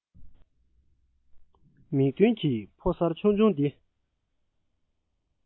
མིག མདུན གྱི ཕོ གསར ཆུང ཆུང འདི